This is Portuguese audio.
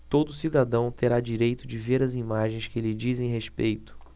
todo cidadão terá direito de ver as imagens que lhe dizem respeito